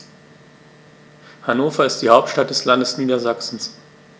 Hannover ist die Hauptstadt des Landes Niedersachsen.